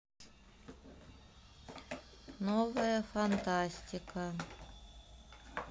новая фантастика